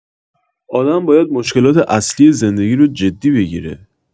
آدم باید مشکلات اصلی زندگی رو جدی بگیره.